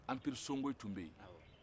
empire sɔngoyi tun bɛ